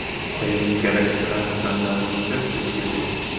oyim garangsib sandalning bir chetiga cho'kdi